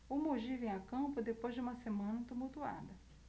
o mogi vem a campo depois de uma semana tumultuada